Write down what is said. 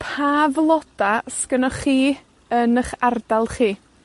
pa floda 'sgennoch chi yn 'ych ardal chi?